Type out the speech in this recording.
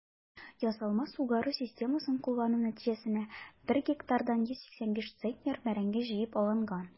Ясалма сугару системасын куллану нәтиҗәсендә 1 гектардан 185 центнер бәрәңге җыеп алынган.